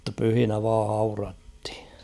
mutta pyhinä vain haudattiin